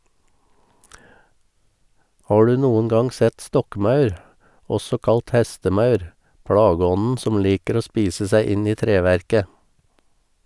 Har du noen gang sett stokkmaur , også kalt hestemaur , plageånden som liker å spise seg inn i treverket?